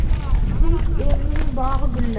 tinch elning bog'i gullar